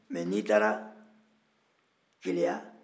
mɛ n'i taara keleya